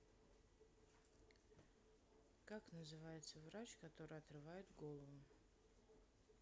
как называется врач который отрывает голову